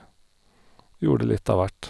Gjorde litt av hvert.